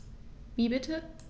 Wie bitte?